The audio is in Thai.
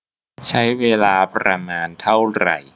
ใช้เวลาประมาณเท่าไหร่